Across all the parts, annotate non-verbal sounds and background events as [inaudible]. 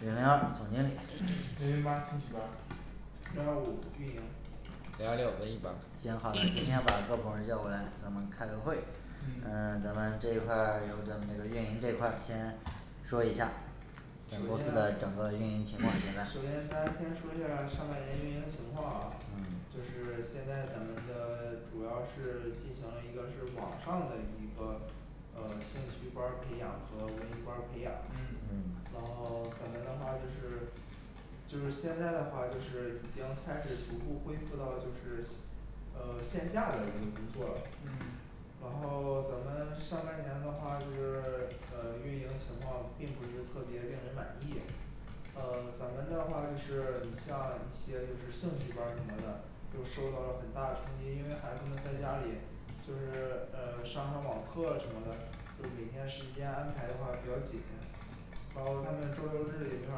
零零二总经理零零八兴趣班儿零二五运营零二六文艺班儿行好的今天把各部门儿叫过来咱们开个会嗯嗯咱们这一块儿由咱那个运营这块儿先说一下首公司的先 [silence] 整个运营情况现首先咱在先说一下上半年运营情况啊嗯就是现在咱们的 [silence] 主要是进行了一个是网上的一个嗯呃兴趣班儿培养和文艺班儿培养嗯然嗯后咱们的话就是就是现在的话就是已经开始逐步恢复到就是呃 [silence] 线下的一个工作了嗯然后 [silence] 咱们上半年的话就是 [silence] 嗯运营情况并不是特别令人满意呃 [silence] 咱们的话就是你像一些就是兴趣班儿什么的就受到了很大的冲击因为孩子们在家里就是呃 [silence] 上上网课什么的就每天时间安排的话比较紧然后他们周六日也没法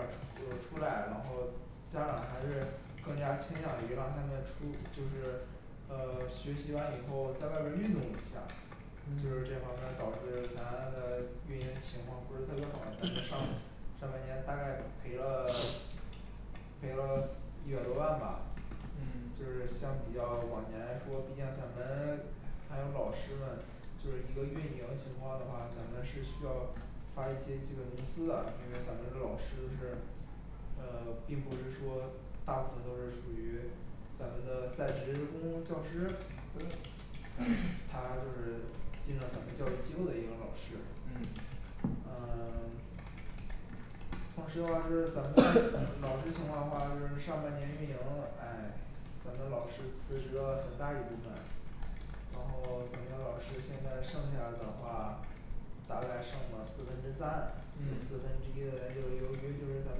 儿出 [unintelligible] 就出来然后家长还是更加倾向于让他们出就是呃 [silence] 学习完以后在外边儿运动一下儿就是这方面儿嗯导致咱的运营情况不是特别好咱们上上半年大概赔了 [silence] 赔了一百多万吧嗯就是相比较往年说毕竟咱们还有老师们就是你一个运营情况的话咱们是需要发一些基本工资的因为咱们这个老师都是呃 [silence] 并不是说大部分都是属于咱们的在职员工教师的 [crosstalk] 他就是进了咱们教育机构的一个老师嗯呃 [silence] 但是话就是咱们的 [crosstalk] 老师情况话就是上半年运营唉咱们老师辞职了很大一部分然后 [silence] 咱们老师现在剩下的话大概剩了四分之三这四分嗯之一的人就由于就是咱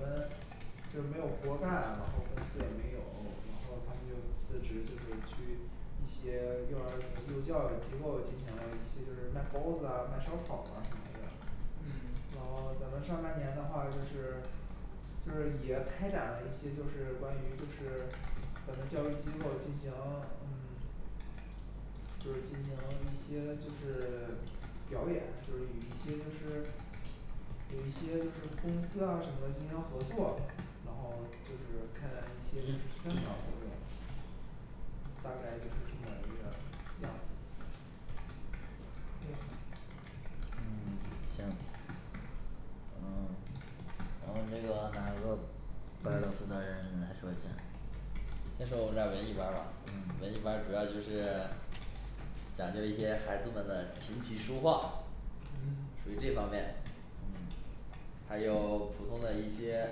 们就没有活儿干然后公司也没有然后他们就辞职就会去一些幼儿呃幼教育机构进行了一些就是卖包子啊卖烧烤啊什么的嗯然后咱们上半年的话就是就是也开展了一些就是关于就是咱们教育机构进行嗯 [silence] 就是进行一些就是 [silence] 表演就是有一些就是有一些就是公司啊什么的进行合作然后就是开展一些宣讲活动大概就是这么一个样子对嗯行呃 [silence] 然后那个哪个班儿的负责嗯人来说一下儿先说我们这儿文艺班儿吧文艺班嗯儿主要就是讲究一些孩子们的琴棋书画嗯属于这方面还有 [silence] 普通的一些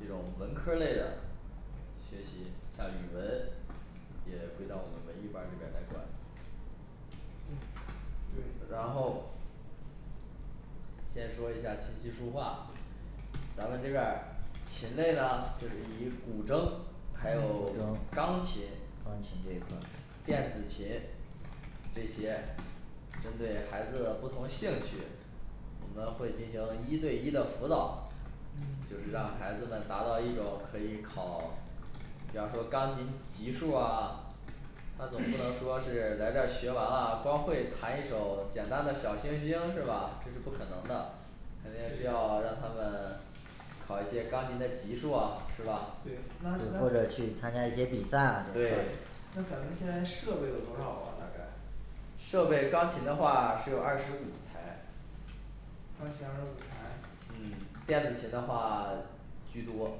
这种文科儿类的学习像语文也归到我们文艺班儿这边儿来管对对然后先说一下琴棋书画咱们这边儿琴类呢就是以古筝还古有嗯 [silence] 筝钢琴钢琴这这一一类块儿电子琴这些针对孩子的不同兴趣我们会进行一对一的辅导嗯就是让嗯孩子们达到一种可以考比方说钢琴级数儿啊或者去参加一些比赛啊这类对设备钢琴的话是有二十五台钢琴二十五台嗯电子琴的话 [silence] 居多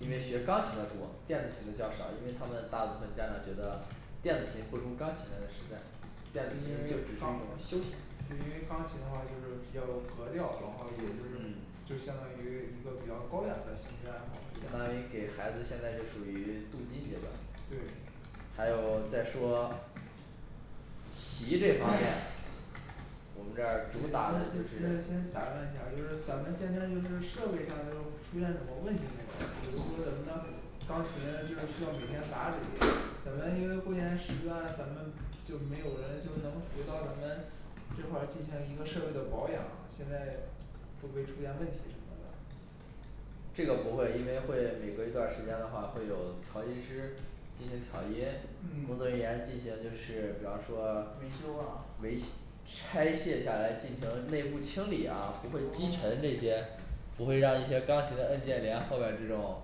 因为学钢嗯琴的多电子琴的较少因为他们大部分家长觉得电子琴不如钢琴来的实在电子琴就只是一种休闲嗯相当于给孩子现在就属于镀金阶段对还有再说棋这方面我们这儿对那主打的就那是先打断一下就是咱们现在就是设备上就出现什么问题没有啊比如说咱们的钢琴就是需要每天打理咱们因为过年的时间咱们就没有人就能回到咱们这块儿进行一个设备的保养现在会不会出现问题什么的这个不会因为会每隔一段儿时间的话会有调音师进行调音工作人员嗯进行就是比方说维修啊维修拆卸下来进行内部清理啊不会积尘这噢 [silence] 些不会让一些钢琴的按键连后面儿这种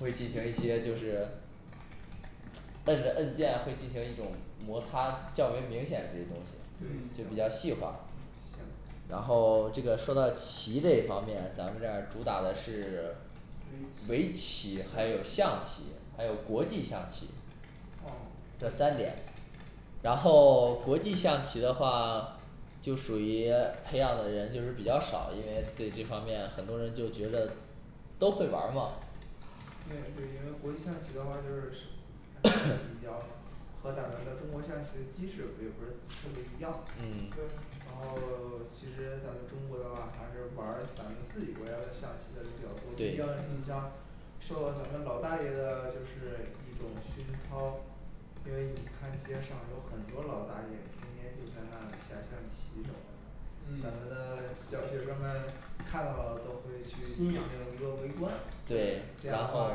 会进行一些就是摁着摁键会进行一种摩擦较为明显这东西就就比较对行细化行然后 [silence] 这个说到棋这一方面咱们这儿主打的是 [silence] 围棋还有象棋还有国际象棋噢这国际象三棋点然后 [silence] 国际象棋的话 [silence] 就属于 [silence] 培养的人就是比较少因为对这方面很多人就觉得都会玩儿嘛和咱们的中国象棋的机制也不是特别一样对嗯对然后 [silence] 其实咱们中国的话还是玩儿咱们自己国家的象棋的人比较多毕竟你像受到咱们老大爷的就是一种熏陶因为你看街上有很多老大爷天天就在那里下象棋的咱们的嗯小学生们看到了都会去心进行痒一个围观这对样的然后话 [crosstalk]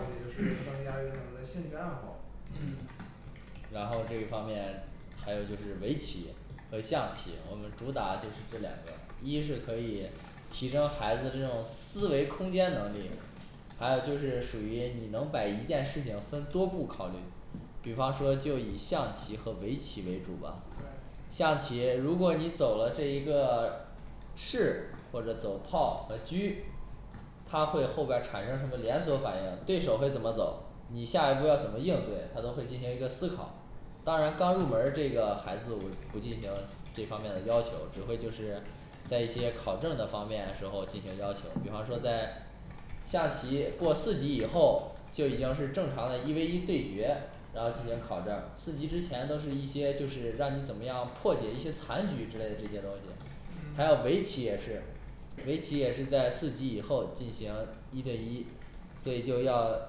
也是增加一个他们的兴趣爱好嗯然后这一方面还有就是围棋和象棋我们主打就是这两个一是可以提升孩子这种思维空间能力还有就是属于你能把一件事情分多步考虑比方说就以象棋和围棋为主吧对象棋如果你走了这一个士或者走炮和车他会后边儿产生什么连锁反应对手会怎么走你下一步要怎么应对他都会进行一个思考当然刚入门儿这个孩子我不进行这方面的要求只会就是在一些考证儿的方面时候进行要求比方说在象棋过四级以后就已经是正常的一V一对决然后进行考证儿四级之前都是一些就是让你怎么样破解一些残局之类的这些东西还嗯有围棋也是围棋也是在四级以后进行一对一所以就要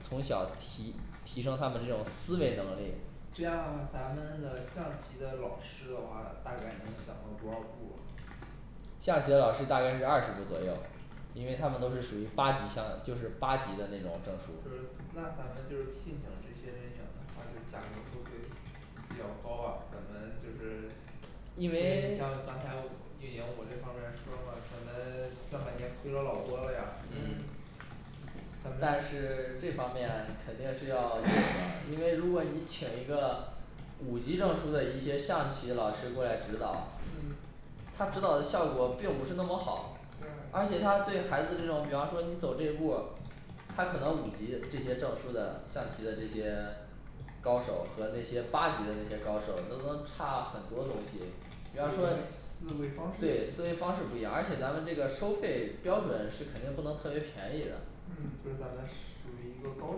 从小提提升他们这种思维能力这样的话咱们的象棋的老师的话大概能想到多少步儿啊象棋的老师大概是二十步左右因为他们都是属于八级像就是八级的那种证书因为嗯嗯但是这咱方们面肯定是要请的因为如果你请一个五级证书的一些象棋老师过来指导嗯他指导的效果并不是那么好对而且他对孩子这种比方说你走这一步儿他可能五级这些证书的象棋的这些 [silence] 高手和那些八级的那些高手都能差很多东西比方说思维方对思维式方式不一样而且咱们这个收费标准是肯定不能特别便宜的嗯就咱们属于一个高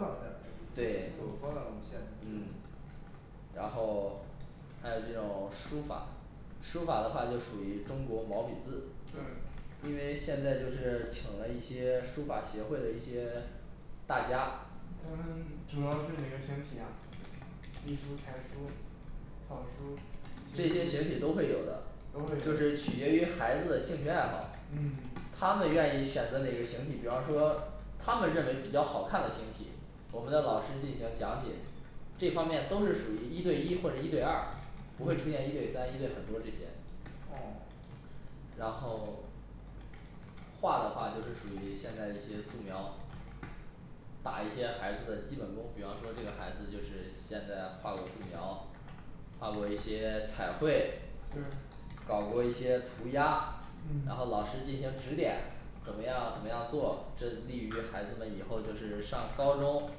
档点儿的对走高档路线的嗯然后还有这种书法书法的话就属于中国毛笔字对因为现在就是请了一些书法协会的一些大家咱们 [silence] 主要是哪个形体啊隶书楷书草书这些形体都会有的都就会有是取决于孩子的兴趣爱好嗯他们愿意选择哪个形体比方说他们认为比较好看的形体我们的老师进行讲解这方面都是属于一对一或者一对二不会出现一对三一对很多这些噢然后 [silence] 画的话就是属于现在一些素描打一些孩子的基本功比方说这个孩子就是现在画过素描画过一些 [silence] 彩绘对搞过一些涂鸦然后嗯老师进行指点怎么样怎么样做这利于孩子们以后就是上高中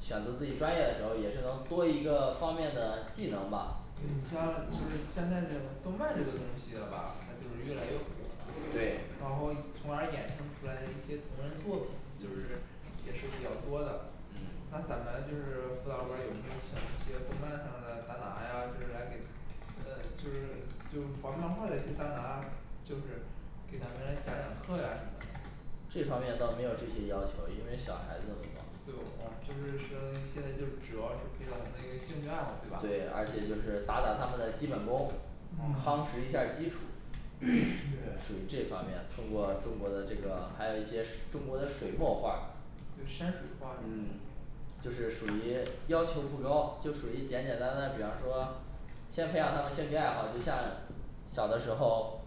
选择自己专业的时候也是能多一个 [silence] 方面的技能吧对嗯对你像就是现在的动漫这个东西了吧它就是越来越火了对然后从而衍生出来一些同人作品就是嗯，也是比较多的嗯那咱们就是辅导班儿有没有请一些动漫上的大拿呀就是来给呃就是就是画漫画的一些大拿呀就是给咱们来讲讲课呀什么的这方面倒没有这些要求因为小孩子们对噢嘛就是说现在就是主要是培养他们的一个兴趣爱好对对而且吧就是打打他们的基本功夯实一下基础 [crosstalk] 属于这对方面通过中国的这个还有一些水 [unintelligible] 中国的一些水墨画儿对山水画是吧嗯就是属于要求不高就属于简简单单比方说先培养他们兴趣爱好就像小的时候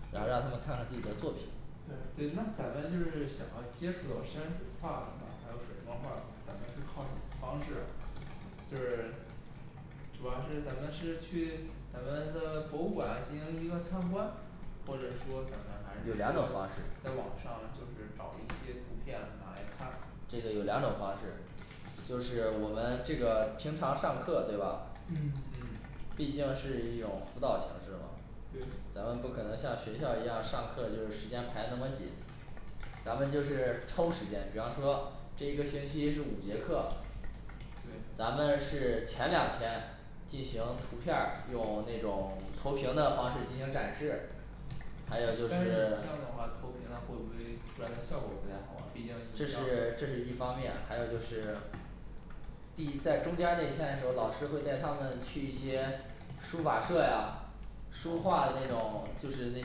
对对对那咱们就是想要接触到山水画儿的话还有水墨画咱们是靠什么方式啊就是 [silence] 有两种方式这个有两种方式就是我们这个平常上课对吧嗯嗯毕竟是以一种辅导形式嘛对咱们不可能像学校一样上课就是时间排那么紧咱们就是抽时间比方说这一个星期是五节课对咱们是前两天进行图片儿用那种投屏的方式进行展示还有就是但是你这样的 [silence] 话投屏啊会不会出来效果不太好毕竟你这像是这是一方面还有就是第一在中间儿那天嘞时候老师会带他们去一些书法社呀书画的那种就是那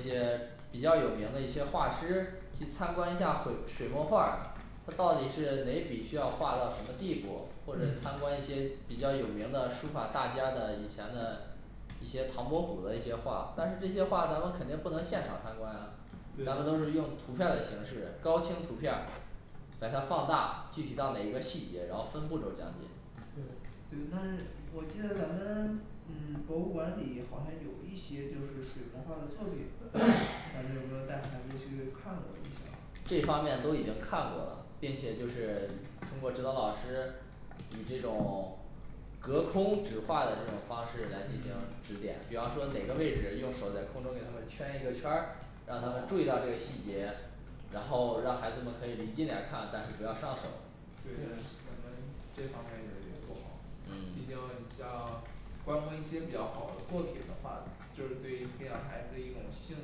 些比较有名的一些画师去参观一下会 [unintelligible] 水墨画儿嗯咱们都是用对图片儿的形式高清图片儿把它放大具体到每一个细节然后分步骤讲解对对那我记得咱们嗯博物馆里好像有一些就是水墨画的作品 [crosstalk] 咱们有没有带孩子去看过一下儿这方面都已经看过了并且就是通过指导老师以这种 [silence] 隔空指画的这种方式来进行指点嗯比方说哪个位置用手在空中给他们圈一个圈儿让他们注意到这个细节然后让孩子们可以离近点儿看但是不要上手对嗯观摩一些比较好的作品的话就是对于培养孩子的一种兴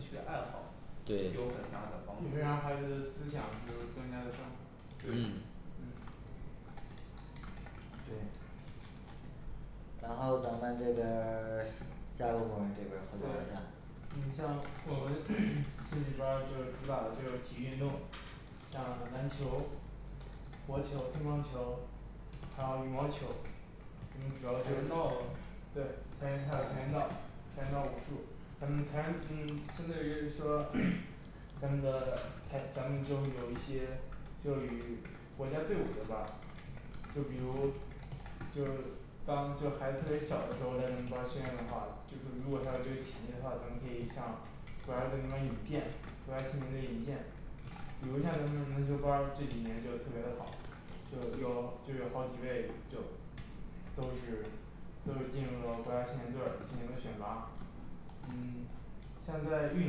趣爱好有很大对的帮就助是让孩子的思想就是更加的生活嗯对对然后咱们这边儿 [silence] 下个部门儿这边儿汇报对一下儿，你像我们 [crosstalk] 兴趣班儿就是主打的就是体育运动像篮球国球乒乓球然后羽毛球咱们主跆拳要道就对还还有跆拳道跆拳道武术咱们跆嗯相当于说 [crosstalk] 咱们的跆咱们就有一些就与国家队伍对吧就比如就当就孩子特别小的时候来咱们班儿训练的话就是如果他有这个潜力的话咱们可以向国家队儿他们引荐国家青年队儿进行引荐比如像咱们篮球班儿这几年就特别的好就有就有好几位就都是都是进入了国家青年队儿进行了选拔嗯现在运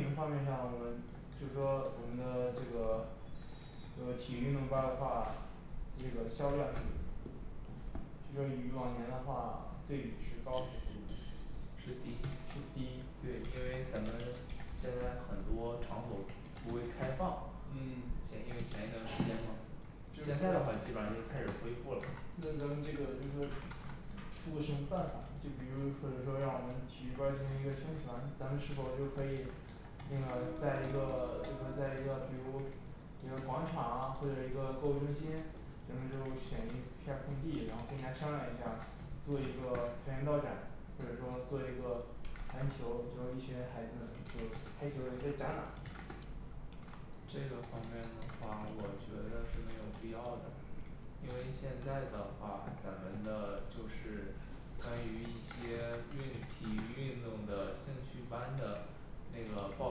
营方面上我们就是说我们的这个做体育运动班儿的话这个销量是就说与往年的话对比是高是低是低对是因低为咱们现在很多场所不会开放嗯前因为前期前一段时间嘛就是现在的话基本上就是开始恢复了就是那咱们这个就说做一个跆拳道展或者说做一个篮球就有一群孩子们就拍球的一个展览这个方面的话我觉得是没有必要的因为现在的话咱们的就是关于一些运体育运动的兴趣班的那个报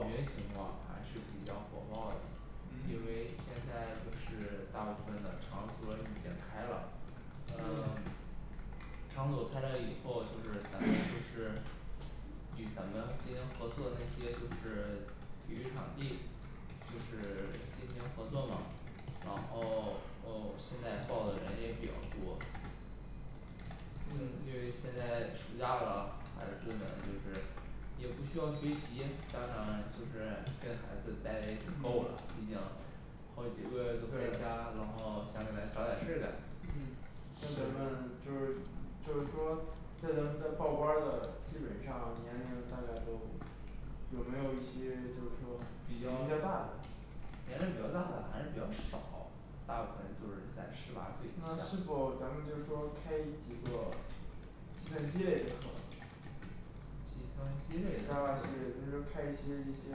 名情况还是比较火爆的因为嗯现在就是大部分的场所已经开了呃 [silence] 就场所开了以后就是咱们就是与咱们进行合作的那些就是体育场地就是进行合作嘛然后呃现在报的人也比较多呃嗯因为现在暑假了孩子们就是也不需要学习家长就是跟孩子待的也足够了嗯毕竟好几个月都在家对然后想给他找点事儿干比较年龄比较大的孩子比较少大部分就是在十八岁以那下是否咱们就是说开几个计算机类的课计算机类的 Java 课系列就是开一些这些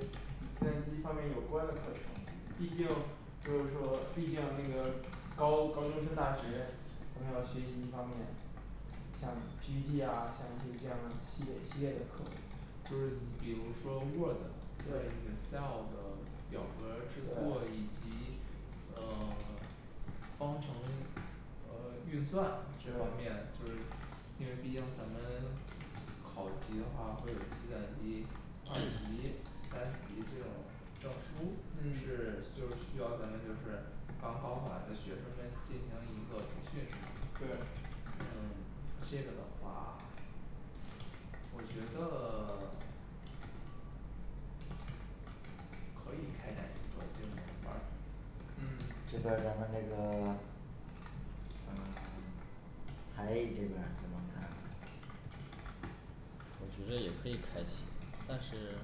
计算机方面有关的课程毕竟就是说毕竟那个高高中升大学他们要学习一方面像P P T啊像一些这样系列系列的课就是你比如说word 或者对 excel的表格儿制作以对及嗯 [silence] 方程呃运算这方面就是因为毕竟咱们考级的话会有计算机二级 [crosstalk] 三级这种证书是嗯就是需要咱们就是帮高考完的的学生们进行一个培训对嗯 [silence] 这个的话 [silence] 我觉得 [silence] 可以开展一个这门儿班儿嗯这边儿咱们这个 [silence] 嗯 [silence] 才艺这边儿怎么看我觉得也可以开一个但是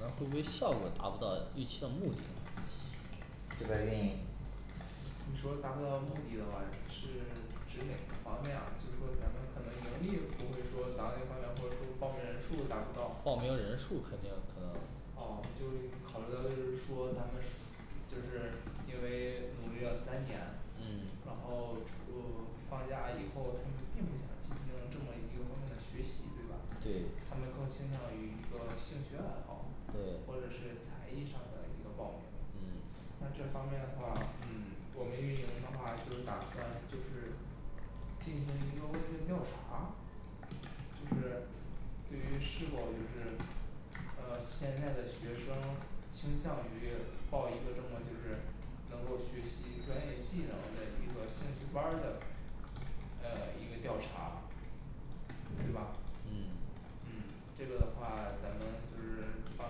咱会不会效率达不到预期的目的这边儿运营你说达不到目的的话是 [silence] 指哪个方面儿啊就是说咱们可能盈利不会说达到那方面或者说报名人数达不到报报名人数肯定可能噢就是考虑到就是说咱们就是因为 [silence] 努力了三年嗯然后除放假以后他们并不想进行这么一个方面的学习对吧对他们更倾向于一个兴趣爱好对或者是才艺上的一个报名嗯那这方面的话嗯我们运营的话就是打算就是进行一个问卷调查就是对于是否就是啊现在的学生倾向于报一个这么就是能够学习专业技能的一个兴趣班儿的嗯一个调查对吧嗯嗯这个的话咱们就是 [silence] 放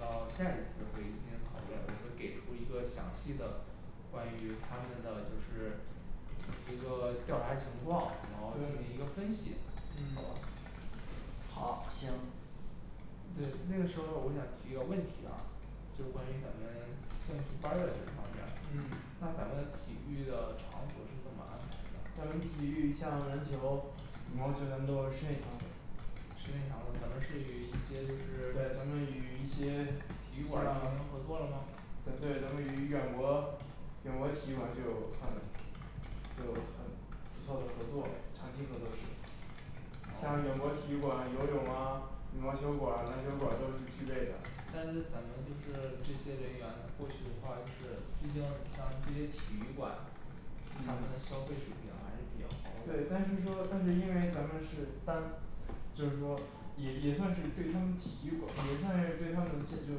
到下一次会议进行讨论我给出一个详细的关于他们的就是一个调查情况然后进对行一个分析好吧嗯好行对那个时候我想提一个问题啊就关于咱们兴趣班的这方面儿嗯那咱们体育的场所是怎么安我排的呀们体育像篮球羽毛球咱们都是室内场所室内场所咱们是与一些就是 [silence] 体育馆儿进行合作了吗就很不错的合作长期合作是哦但是咱们就是这些人员过去的话就是毕竟你像这些体育馆他们的嗯消费水平还是比较高对的但是说但是因为咱们是单就是说也也算是对他们体育馆儿也算是对他们健就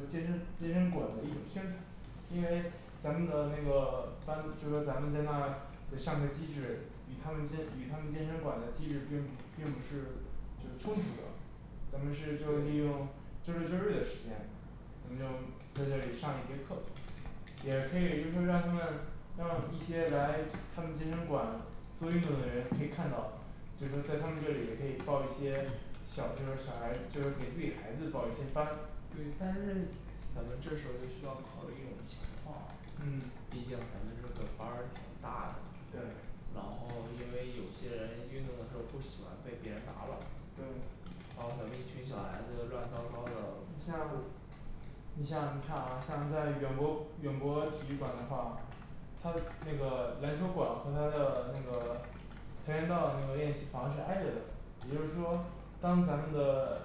是健身健身馆的一种宣传因为咱们的那个班就是咱们在那这上课机制与他们健 [unintelligible] 与他们健身馆的机制并并不是就是冲突的咱们是就是利用周六周日的时间咱们就在这里上一节课也可以就是让他们让一些来他们健身馆做运动的人可以看到就是在他们这里也可以报一些小就是小孩就是给自己孩子报一些班对但是咱们这时候就需要考虑一种情况嗯毕竟咱们这个班儿挺大的对然后因为有些人运动的时候不喜欢被别人打扰对然后咱们一群小孩子乱糟糟的你像你像你看啊像在远博远博体育馆的话他那个篮球馆和他的那个跆拳道那个练习房是挨着的也就是说当咱们的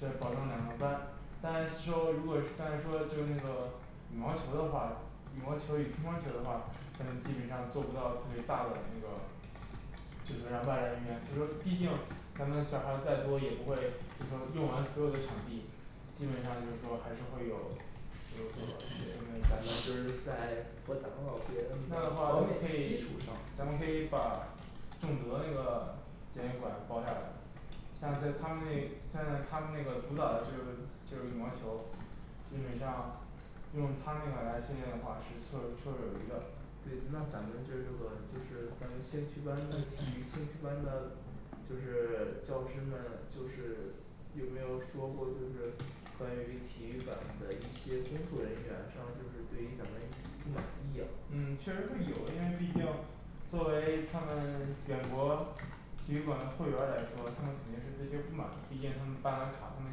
这保证两个班但是说如果是但是说就那个羽毛球的话羽毛球与乒乓球的话可能基本上做不到特别大的那个就是两百人员就说毕竟咱们小孩再多也不会就是说用完所有的场地像在他们那个像他们那个主导的就是就是羽毛球基本上就用他那个来训练的话是绰绰绰有余的对那咱们这如果就是咱们兴趣班的去兴趣班的就是 [silence] 教师们就是有没有说过就是关于体育馆的一些工作人员上就是对于咱们不满意啊嗯确实是有的因为毕竟作为 [silence] 他们 [silence] 远博体育馆的会员来说他们肯定是对这个不满的毕竟他们办了卡他们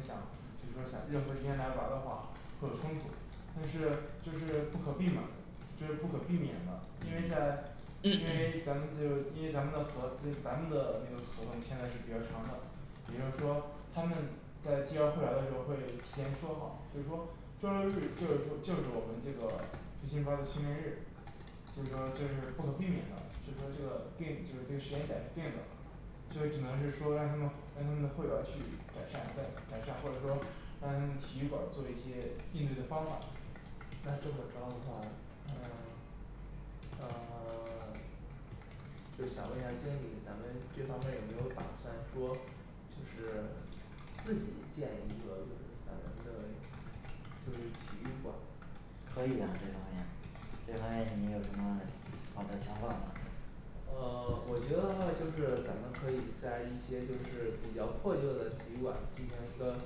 想就说想任何时间来玩儿的话会有冲突但是就是不可避免的就是不可避免的因为在因为咱们就因为咱们的合咱们的那个合同现在是比较长的比如说他们在介绍会员儿的时候会提前说好就是说周六周日就是说就是我们这个培训班儿的训练日就是说这是不可避免的就是说这个定就是这个时间点是定的所以只能是说让他们让他们的会员儿去改善再改善或者说让他们体育馆儿做一些应对的方法那这么着的话嗯 [silence] 嗯 [silence] 就想问一下经理咱们这方面有没有打算说就是自己建一个就是咱们的就是体育馆可以啊这方面这方面你有什么好的想法吗呃 [silence] 我觉得话就是咱们可以在一些就是比较破旧的体育馆进行一个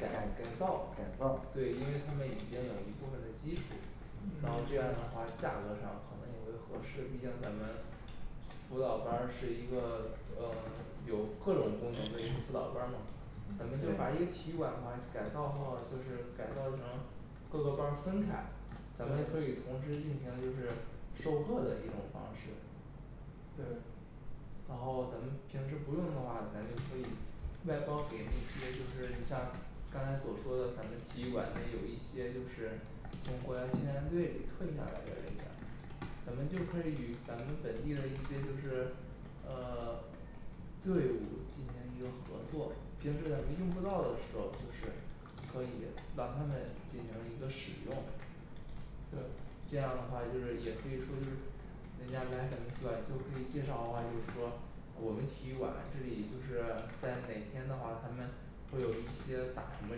改改造改造对因为他们已经有一部分的基础然后嗯 [silence] 这样的话价格上可能有的合适毕竟咱们辅导班儿是一个呃 [silence] 有各种功能的一个辅导班儿嘛咱嗯们就把一个对体育馆的话改造后就是改造成各个班儿分开咱们可以对同时进行就是授课的一种方式对队伍进行一个合作平时咱们用不到的时候就是可以让他们进行一个使用对这样的话就是也可以说就是人家来咱们体育馆就可以介绍的话就是说我们体育馆这里就是在哪天的话他们会有一些打什么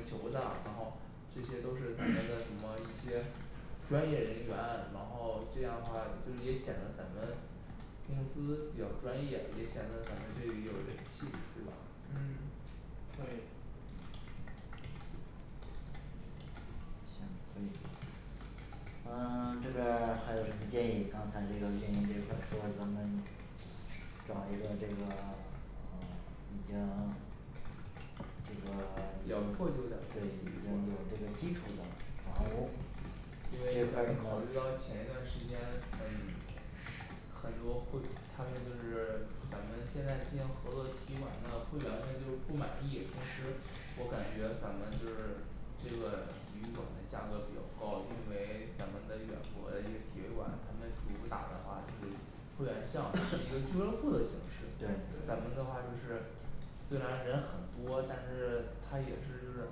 球的然后这些都是咱们的什么一些专业人员然后这样的话就是也显得咱们公司比较专业也显得咱们这里有人气对吧嗯可以行可以对对虽然人很多但是他也是就是